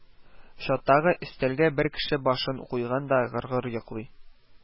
Чаттагы өстәлгә бер кеше башын куйган да гыр-гыр йоклый